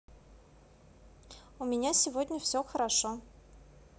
у меня сегодня все хорошо